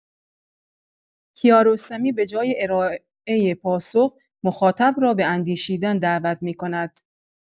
کیارستمی به‌جای ارائۀ پاسخ، مخاطب را به اندیشیدن دعوت می‌کند.